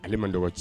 Ale man dɔgɔ